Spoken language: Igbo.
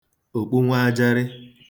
òkpu nwaajarị